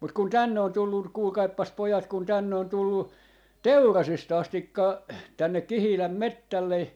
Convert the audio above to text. mutta kun tänne on tullut kuulkaapas pojat kun tänne on tullut Teurasista asti tänne Kihilän metsälle